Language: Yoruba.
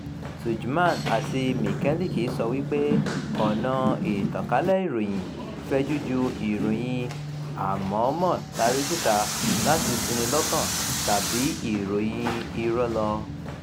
Tudjman àti Mikelic sọ wípé ọ̀nà ìtànkálẹ̀ ìròyìn fẹ̀jú ju ìròyìn àmọ̀ọ́mọ̀ tari síta láti ṣini lọ́kàn tàbí ìròyìn irọ́ lọ.